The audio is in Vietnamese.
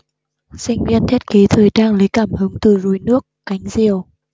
sinh viên thiết kế thời trang lấy cảm hứng từ rối nước cánh diều